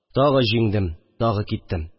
Тагы җиңдем, тагы киттем